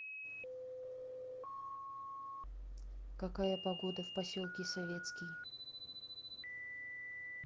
какая погода в поселке советский